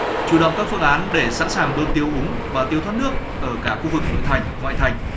chủ động các phương án để sẵn sàng bơm tiêu úng và tiêu thoát nước ở cả khu vực nội thành ngoại thành